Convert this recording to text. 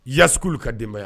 Yaas sugu ka denbaya yan